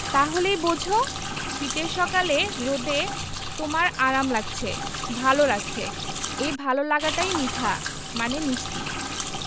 তা হলেই বোঝ শীতের সকালে রোদে তোমার আরাম লাগছে ভালো লাগছে এই ভালো লাগাটাই মিঠা মানে মিষ্টি